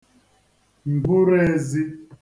m̀buruēzī